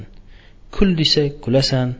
kul desa kulasan